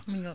mu ñor